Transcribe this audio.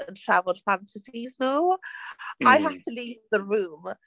Yn trafod fantasies nhw... m-hm ...I had to leave the room.